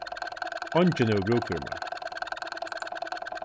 eingin hevur brúk fyri mær